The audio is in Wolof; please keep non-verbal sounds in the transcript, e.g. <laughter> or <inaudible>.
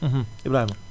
<hesitation> <hesitation> Ibrahima